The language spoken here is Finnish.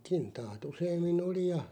kintaat useammin oli ja